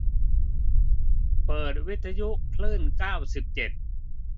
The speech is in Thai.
เปิดวิทยุคลื่นเก้าสิบเจ็ด